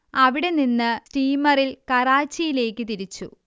അവിടെനിന്ന് സ്റ്റീമറിൽ കറാച്ചിയിലേക്ക് തിരിച്ചു